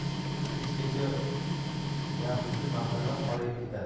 kechgacha ya butun mahalla qorayib ketadi